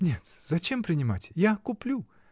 — Нет, зачем принимать: я куплю.